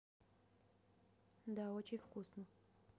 да очень вкусно